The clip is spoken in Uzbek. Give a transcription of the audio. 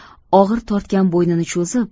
og'ir tortgan bo'ynini cho'zib